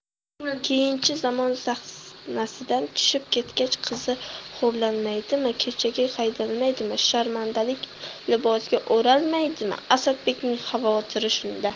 keyinchi zamon sahnasidan tushib ketgach qizi xo'rlanmaydimi ko'chaga haydalmaydimi sharmandalik libosiga o'ralmaydimi asadbekning xavotiri shunda